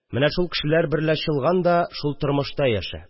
Менә шул кешеләр берлә чолган да, шул тормышта яшә